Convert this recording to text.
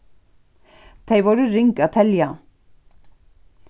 tey vóru ring at telja